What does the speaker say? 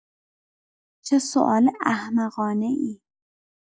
چه سوال احمقانه‌ای!